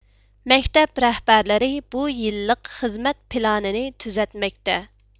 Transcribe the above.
مەكتەپ رەھبەرلىرى بۇ يىللىق خىزمەت پىلانىنى تۈزەتمەكتە